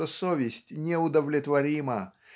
что совесть неудовлетворима